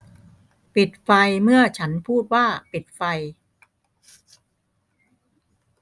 ปิดไฟเมื่อฉันพูดว่าปิดไฟ